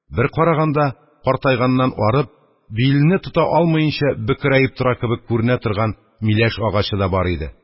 Бер караганда, картайганнан арып, билене тота алмаенча, бөкрәеп тора кеби күренә торган миләш агачы да бар иде